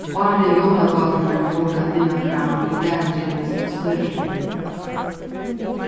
áðrenn jólagávurnar fóru at vinna fram og bara gerast størri